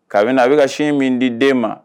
Kabini a bɛ ka sin min di den ma